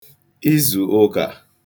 izù ụkà